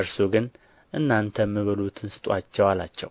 እርሱ ግን እናንተ የሚበሉትን ስጡአቸው አላቸው